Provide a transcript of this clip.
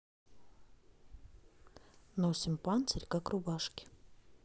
носим панцирь как рубашки